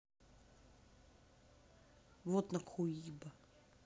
вот нахуйибо